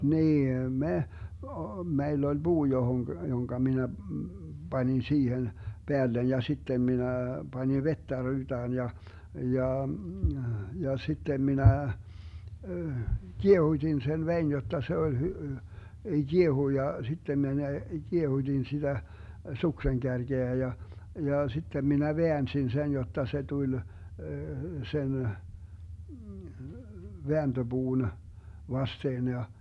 niin ei me - meillä oli puu - jonka minä panin siihen päälle ja sitten minä panin vettä ryytään ja ja ja sitten minä kiehutin sen veden jotta se oli - kiehui ja sitten minä kiehutin sitä suksenkärkeä ja ja sitten minä väänsin sen jotta se tuli sen vääntöpuun vasten ja